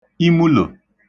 imulò